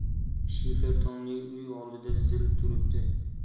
shifer tomli uy oldida zil turibdi